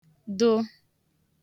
dụ